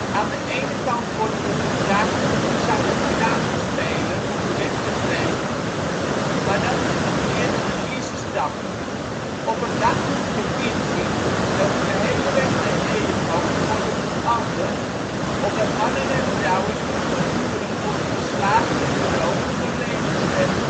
Aan de ene kant worden we gevraagd de goede Samaritaan te spelen op de weg des levens; maar dat is niet meer dan een eerste stap. Op een dag moeten we inzien dat de gehele weg naar Jericho moet worden veranderd, opdat mannen en vrouwen niet voortdurend worden geslagen en beroofd op hun levensweg